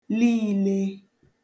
liìle